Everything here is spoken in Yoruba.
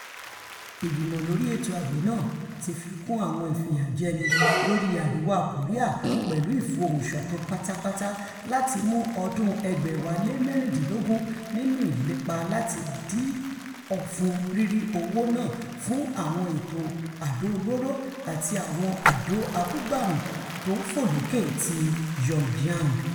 Ìgbìmọ lórí Ètò Ààbo náà ti fi kún àwọn ìfìyàjẹni lórí Àríwá Kòríà pẹ̀lú ìfohùnṣọ̀kan pátápátá láti ọdún 2016 nínú ìlépa láti di ọ̀fun rírí owó ná fún àwọn ètò àdó olóró àti àwọn àdó abúgbàmu tóńfòlókè ti Pyongyang.